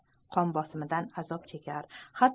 qon bosimidan azob chekar